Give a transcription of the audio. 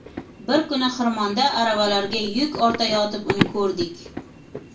bir kuni xirmonda aravalarga yuk ortayotib uni ko'rdik